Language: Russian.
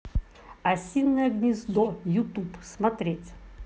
осиное гнездо ютуб смотреть